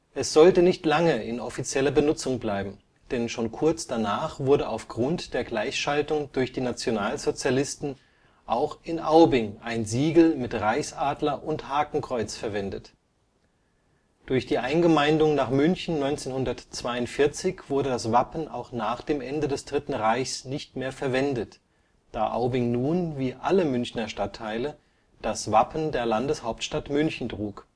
Es sollte nicht lange in offizieller Benutzung bleiben, denn schon kurz danach wurde auf Grund der Gleichschaltung durch die Nationalsozialisten auch in Aubing ein Siegel mit Reichsadler und Hakenkreuz verwendet. Durch die Eingemeindung nach München 1942 wurde das Wappen auch nach dem Ende des Dritten Reichs nicht mehr verwendet, da Aubing nun wie alle Münchner Stadtteile das Wappen der Landeshauptstadt München trug